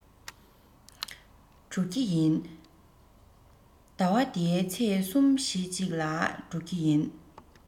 འགྲོ རྒྱུ ཡིན ཟླ བ འདིའི ཚེས གསུམ བཞི ཅིག ལ འགྲོ གི ཡིན